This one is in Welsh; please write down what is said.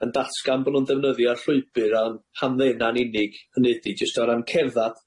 yn datgan bo' nw'n defnyddio'r llwybyr a'r hamddena'n unig, hynny ydi jyst o ran cerddad.